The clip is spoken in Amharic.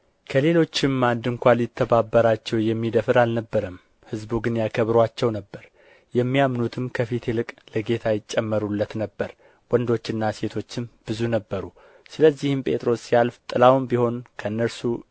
ከሌሎችም አንድ ስንኳ ሊተባበራቸው የሚደፍር አልነበረም ሕዝቡ ግን ያከብሩአቸው ነበር የሚያምኑትም ከፊት ይልቅ ለጌታ ይጨመሩለት ነበር ወንዶችና ሴቶችም ብዙ ነበሩ ስለዚህም ጴጥሮስ ሲያልፍ ጥላውም ቢሆን ከእነርሱ